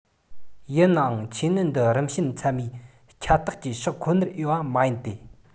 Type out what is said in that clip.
ཡིན ནའང ཆོས ཉིད འདི རིམ ཞན མཚན མའི ཁྱད རྟགས ཀྱི ཕྱོགས ཁོ ནར འོས པ མ ཡིན ཏེ